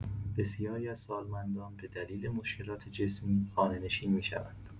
بسیاری از سالمندان به دلیل مشکلات جسمی خانه‌نشین می‌شوند.